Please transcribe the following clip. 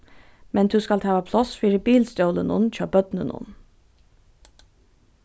men tú skalt hava pláss fyri bilstólinum hjá børnunum